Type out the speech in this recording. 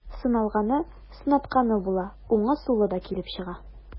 Сыналганы, сынатканы була, уңы, сулы да килеп чыга.